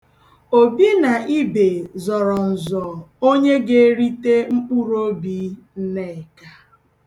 Obi na Ibe zọrọ nzọ onye ga-erite mkpụrụobi Nneka.